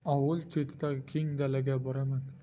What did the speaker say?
ovul chetidagi keng dalaga boraman